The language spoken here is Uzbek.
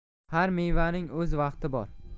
har mevaning o'z vaqti bor